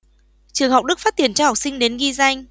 trường học đức phát tiền cho học sinh đến ghi danh